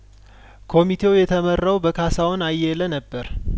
ኮሚቴው የተመራው በካሳሁን አየለ ነበር